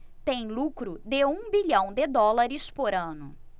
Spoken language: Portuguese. tem lucro de um bilhão de dólares por ano